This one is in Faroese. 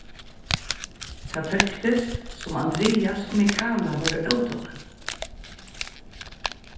tað tóktist sum andrias og mikala vóru ótolin